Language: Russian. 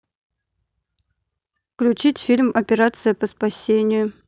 включить фильм операция по спасению